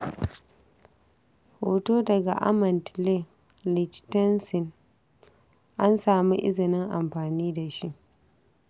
Hoto daga Amand Leigh Lichtenstein, an samu izinin amfani da shi.